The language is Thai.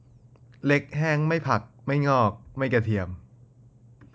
เล็กแห้งไม่ผักไม่งอกไม่กระเทียม